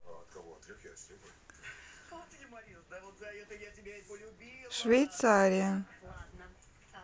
швейцария